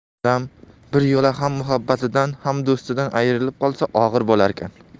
odam bir yo'la ham muhabbatidan ham do'stidan ayrilib qolsa og'ir bo'larkan